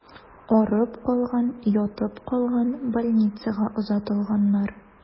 Арып калган, ятып калган, больницага озатылганнар.